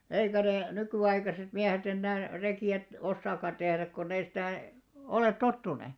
eikä ne nykyaikaiset miehet enää rekiä osaakaan tehdä kun ei sitä ole tottuneet